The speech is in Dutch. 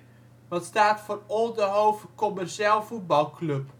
staat voor Oldehove Kommerzijl Voetbalclub